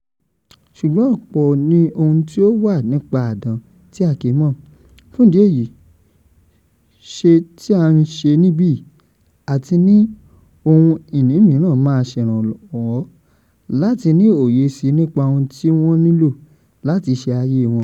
Ṣùgbọ́n ọ̀pọ̀ ni ohun tí ó wà nípa àdán tí a kíì mọ̀, fún ìdí èyí ṣẹ́ tí a ń ṣe níbí àti ní ohun ìní míràn máa ṣèraánwọ́ láti ní òye síi nípa ohun t;i wọ́n nílò l’’ati ṣe ayé wọn."